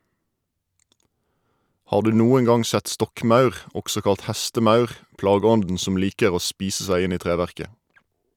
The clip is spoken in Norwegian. Har du noen gang sett stokkmaur, også kalt hestemaur, plageånden som liker å spise seg inn i treverket?